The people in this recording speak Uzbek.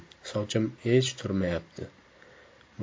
sochim hech turmayapti